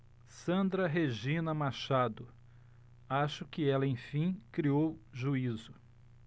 sandra regina machado acho que ela enfim criou juízo